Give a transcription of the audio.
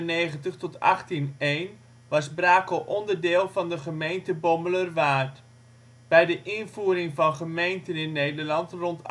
1799 tot 1801 was Brakel onderdeel van de gemeente Bommelerwaard. Bij de invoering van gemeenten in Nederland rond